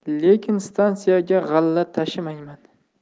lekin stansiyaga g'alla tashimayman